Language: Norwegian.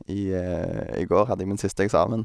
i I går hadde jeg min siste eksamen.